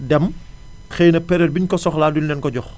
dem xëy na période bi ñu ko soxlaa duñu leen ko jox